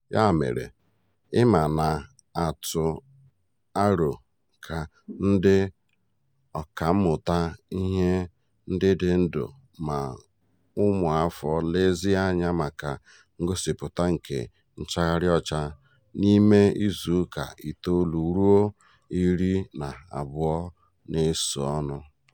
Ya mere, IMA na-atụ aro ka ndị ọkàmmụta ihe ndị dị ndụ ma ụmụafọ lezie anya maka ngosipụta nke nchaghari ọcha n'ime izuụka itoolu ruo iri na abụọ na-esonu.